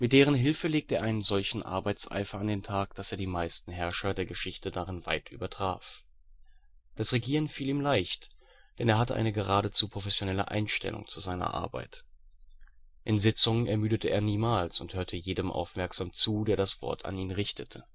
deren Hilfe legte er einen solchen Arbeitseifer an den Tag, dass er die meisten Herrscher der Geschichte darin weit übertraf. Das Regieren fiel ihm leicht, denn er hatte eine geradezu professionelle Einstellung zu seiner Arbeit. In Sitzungen ermüdete er niemals und hörte jedem aufmerksam zu, der das Wort an ihn richtete